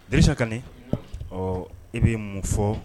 Disa ka ɔ i bɛ mun fɔ